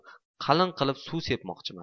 qalin qilib suv sepmoqchiman